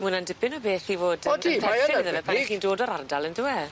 Ma' wnna'n dipyn o beth i fod yn... pan chi'n dod o'r ardal on'd yw e?